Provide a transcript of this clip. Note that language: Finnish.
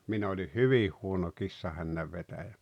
minä olin hyvin huono kissahännänvetäjä